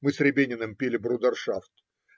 мы с Рябининым пили брудершафт.